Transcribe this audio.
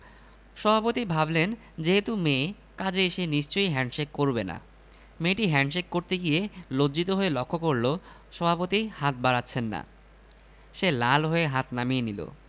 কাজেই সে হাত পা ছুড়ে বিকট চিৎকার শুরু করেছে চায়ের কাপটাপ উন্টে ফেলছে তাকে সামলাবার জন্যে শেষ পর্যন্ত ভদ্রমহিলাকে পটি তে বসার একটা ভঙ্গি করতে হল